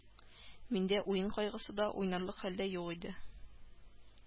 Миндә уен кайгысы да, уйнарлык хәл дә юк иде